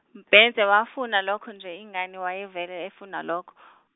Mbhense wafuna lokho nje, ingani wayevele efuna lokho.